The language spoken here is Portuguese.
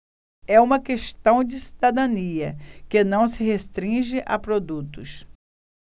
é uma questão de cidadania que não se restringe a produtos